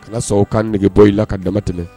Kana sɔn o ka nɛgɛgebɔ i la k'a dama tɛmɛ